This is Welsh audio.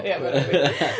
Ia, ma' hynna'n wir.